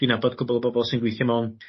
dwi'n nabod cwbwl o bobol sy'n gwithio mewn